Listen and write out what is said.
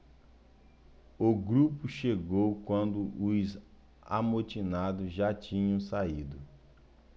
o grupo chegou quando os amotinados já tinham saído